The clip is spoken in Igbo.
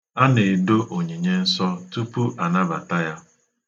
A na-edo onyinye nsọ tupu anabata ya.